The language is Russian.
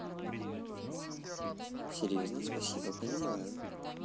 серьезно спасибо понимаю